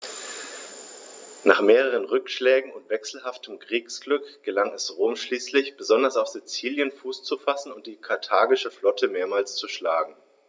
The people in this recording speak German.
Nach mehreren Rückschlägen und wechselhaftem Kriegsglück gelang es Rom schließlich, besonders auf Sizilien Fuß zu fassen und die karthagische Flotte mehrmals zu schlagen.